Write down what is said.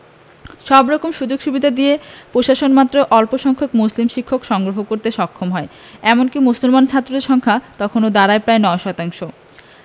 সব রকম সুযোগসুবিধা দিয়েও প্রশাসন মাত্র অল্পসংখ্যক মুসলিম শিক্ষক সংগ্রহ করতে সক্ষম হয় এমনকি মুসলমান ছাত্রের সংখ্যাও তখন দাঁড়ায় মাত্র ৯ শতাংশ